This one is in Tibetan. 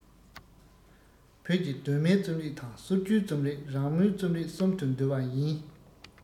བོད ཀྱི གདོད མའི རྩོམ རིག དང སྲོལ རྒྱུན རྩོམ རིག རང མོས རྩོམ རིག གསུམ དུ འདུ བ ཡིན